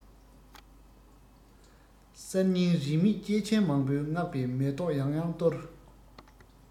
གསར རྙིང རིས མེད སྐྱེས ཆེན མང པོས བསྔགས པའི མེ ཏོག ཡང ཡང གཏོར